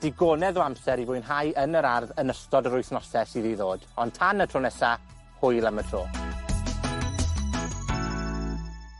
digonedd o amser i fwynhau yn yr ardd yn ystod yr wythnose sydd i ddod, ond tan y tro nesa, hwyl am y tro.